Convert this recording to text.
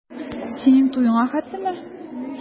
Синең туеңа хәтлеме?